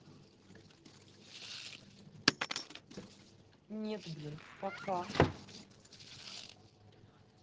нет блин пока